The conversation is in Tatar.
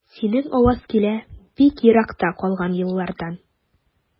Синең аваз килә бик еракта калган еллардан.